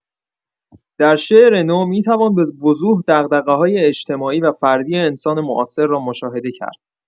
در شعر نو، می‌توان به‌وضوح دغدغه‌های اجتماعی و فردی انسان معاصر را مشاهده کرد.